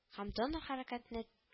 Һәм донор хәрәкәтне